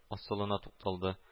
Асылына тукталды